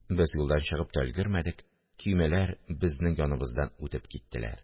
Без юлдан чыгып та өлгермәдек, көймәләр безнең яныбыздан үтеп киттеләр